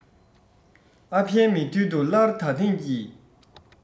ཨ ཕའི མིག མདུན དུ སླར ད ཐེངས ཀྱི